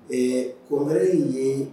Ɛɛ ko wɛrɛ ye in ye